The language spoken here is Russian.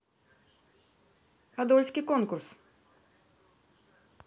подольский конкурс